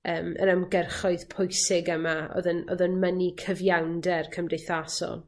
yym yr ymgyrchoedd pwysig yma o'dd yn o'dd yn mynnu cyfiawnder cymdeithasol.